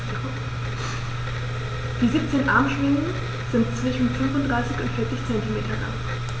Die 17 Armschwingen sind zwischen 35 und 40 cm lang.